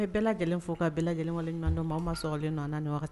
An bɛɛ gɛlɛn fo ka bɛɛwaleɲumandon mɔgɔ aw ma sɔrɔlen nɔn